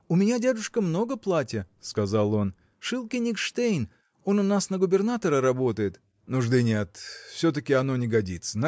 – У меня, дядюшка, много платья, – сказал он, – шил Кенигштейн он у нас на губернатора работает. – Нужды нет все-таки оно не годится